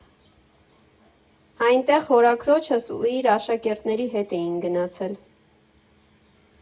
Այնտեղ հորաքրոջս ու իր աշակերտների հետ էինք գնացել։